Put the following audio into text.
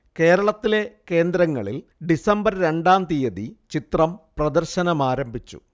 കേരളത്തിലെ കേന്ദ്രങ്ങളിൽ ഡിസംബർ രണ്ടാം തീയതി ചിത്രം പ്രദർശനമാരംഭിച്ചു